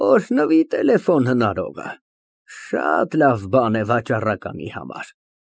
Օրհնվի տելեֆոն հնարողը, շատ լավ բան է վաճառականի համար։